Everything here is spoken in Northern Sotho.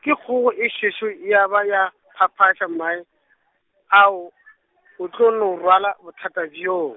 ke kgogo e sešo ya ba ya, phaphaša mae, ao , o tla no rwala bothata bjoo.